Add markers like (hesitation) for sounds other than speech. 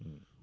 (hesitation) (hesitation)